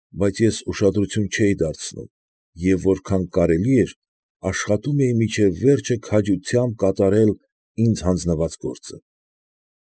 Բայց ես ուշադրություն չէի դարձնում և որքան կարելի էր աշխատում էի մինչև վերջը քաջությամբ կատարել ինձ հանձնված գործը։